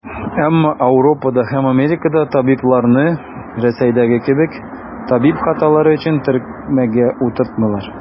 Әмма Ауропада һәм Америкада табибларны, Рәсәйдәге кебек, табиб хаталары өчен төрмәгә утыртмыйлар.